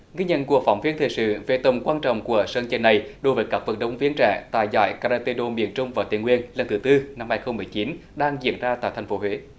ghi nhận của phóng viên thời sự về tầm quan trọng của sân chơi này đối với các vận động viên trẻ tài giỏi ca ra tê đô miền trung và tây nguyên lần thứ tư năm hai không mười chín đang diễn ra tại thành phố huế